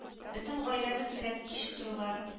Бөтен гаиләбез белән кич утырулар